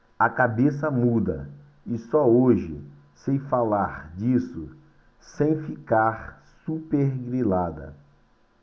a cabeça muda e só hoje sei falar disso sem ficar supergrilada